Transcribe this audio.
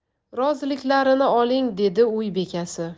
roziliklarini oling dedi uy bekasi